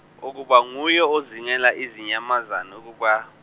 ukuba nguye ozingela izinyamazane ukuba-.